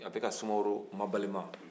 a bɛ ka sumaworo mabalima